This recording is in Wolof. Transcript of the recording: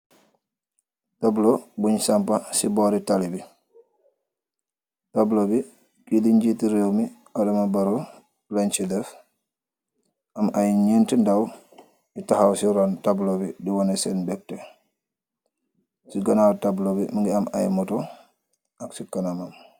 Tablo buñ sampa ci boori tali bi. Tablo bi kii di njiiti réew mi Adama Barrow, lañ ci def. Am ay ñeenti ndaw yu taxaw ci ronn tablo bi di wone seen mbekte. Si ganaaw tablo bi mungi am ay moto ak ci kanamam